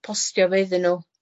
postio fo iddyn nw.